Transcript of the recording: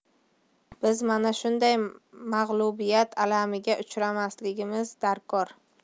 biz mana shunday mag'lubiyat alamiga uchramasligimiz darkor